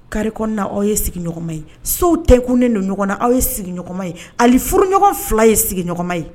Kariri kɔnɔna na aw ye sigima ye so tɛ kun ne don ɲɔgɔn na aw ye sigima ye ale furuɲɔgɔn fila ye sigima ye